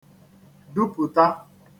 dupụ̀ta